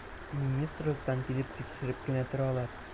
Министрлыктан килеп тикшереп кенә торалар.